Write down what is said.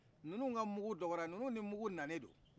nunu ka mungu dɔgɔyara nunu ni mungu nalen don